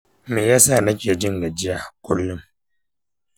me ya sa nake jin gajiya kullum?